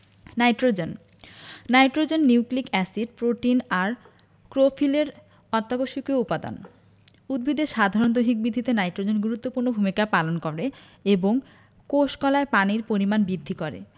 nitrogen nitrogen nucleic acid protein আর ক্লোরোফিলের অত্যাবশ্যকীয় উপাদান উদ্ভিদের সাধারণ দৈহিক বৃদ্ধিতে নাইট্রোজেন গুরুত্বপূর্ণ ভূমিকা পালন করে এবং কোষ কলায় পানির পরিমাণ বৃদ্ধি করে